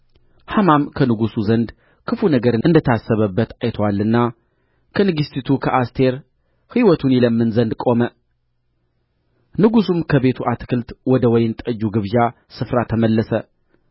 ሐማም ከንጉሡ ዘንድ ክፉ ነገር እንደ ታሰበበት አይቶአልና ከንግሥቲቱ ከአስቴር ሕይወቱን ይለምን ዘንድ ቆመ ንጉሡም ከቤቱ አታክልት ወደ ወይን ጠጁ ግብዣ ስፍራ ተመለሰ